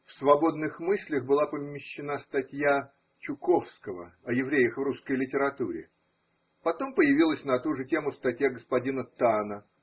В Свободных мыслях была помещена статья Чуковского о евреях в русской литературе: потом появилась на ту же тему статья господина Тана.